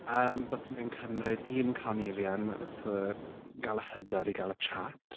Yym, byswn i'n cymryd un carnelian, for gael y hyder i gael y chat.